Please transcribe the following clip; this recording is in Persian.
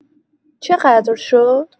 چقدر شد؟